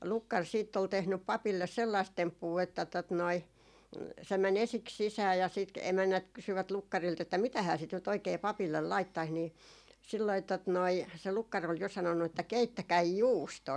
lukkari sitten oli tehnyt papille sellaista temppua että tuota noin se meni ensiksi sisään ja sitten - emännät kysyivät lukkarilta että mitähän sitä nyt oikein papille laittaisi niin silloin tuota noin se lukkari oli jo sanonut että keittäkää juustoa